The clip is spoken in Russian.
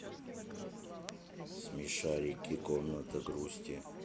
смешарики комната грусти